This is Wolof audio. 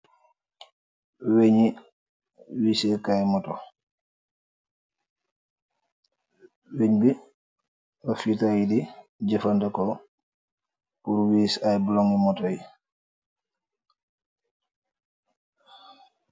Weñi wisekaay moto, weñ bi la fitayi di jëfandeko purwiis ay blongi moto yi.